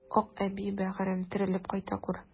Акъәби, бәгырем, терелеп кайта күр!